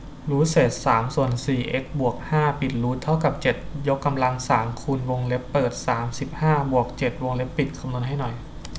รูทเศษสามส่วนสี่เอ็กซ์บวกห้าปิดรูทเท่ากับเจ็ดยกกำลังสามคูณวงเล็บเปิดสามสิบห้าบวกเจ็ดวงเล็บปิดคำนวณให้หน่อย